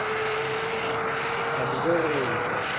обзор рынка